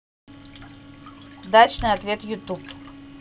дачный ответ ютуб